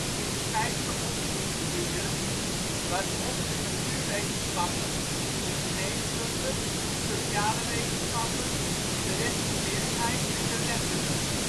in verscheidene onderzoeksgebieden, waaronder de natuurwetenschappen, de geneeskunde, de sociale wetenschappen, de rechtsgeleerdheid en de letteren